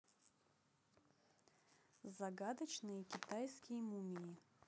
загадочные китайские мумии